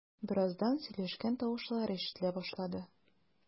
Бераздан сөйләшкән тавышлар ишетелә башлады.